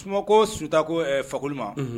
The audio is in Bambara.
So ko suta ko fakoli ma